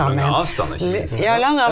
lange avstander ikke minst.